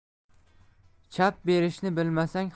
chap berishni bilmasang